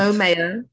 No mayo.